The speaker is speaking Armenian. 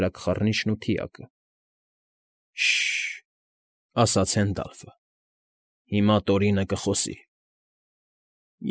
Կրակխառնիչն ու թիակը։ ֊ Շը՜շ֊շ, ֊ ասաց Հենդալֆը։ ֊ Հիմա Տորինը կխոսի։